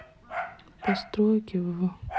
постройки в